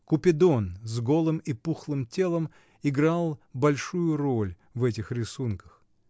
Купидон с голым и пухлым телом играл большую роль в этих рисунках.